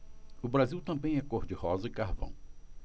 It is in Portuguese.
o brasil também é cor de rosa e carvão